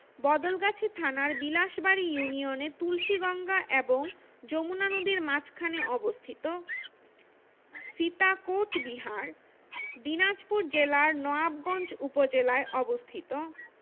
বদলগাছি থানার বিলাসবাড়ি ইউনিয়নে তুলসীগঙ্গা এবং যমুনা নদীর মাঝখানে অবস্থিত সীতাকোট বিহার দিনাজপুর জেলার নওয়াবগঞ্জ উপজেলায় অবস্থিত